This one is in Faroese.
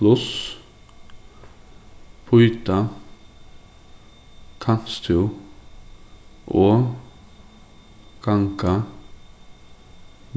pluss býta kanst tú og ganga